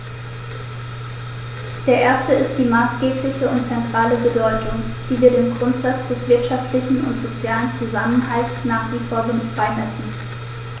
Der erste ist die maßgebliche und zentrale Bedeutung, die wir dem Grundsatz des wirtschaftlichen und sozialen Zusammenhalts nach wie vor beimessen.